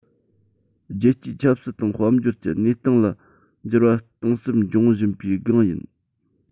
རྒྱལ སྤྱིའི ཆབ སྲིད དང དཔལ འབྱོར གྱི གནས སྟངས ལ འགྱུར བ གཏིང ཟབ འབྱུང བཞིན པའི སྒང རེད